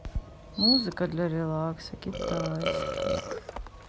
музыка для релакса китайский